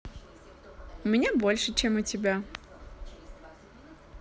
у меня больше чем у тебя